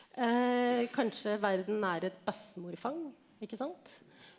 kanskje verden er et bestemorfang ikke sant?